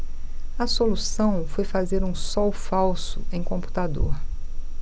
a solução foi fazer um sol falso em computador